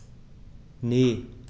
Ne.